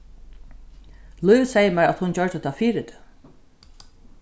lív segði mær at hon gjørdi tað fyri teg